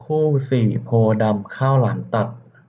คู่สี่โพธิ์ดำข้าวหลามตัด